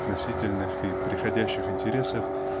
относительных и преходящих интересов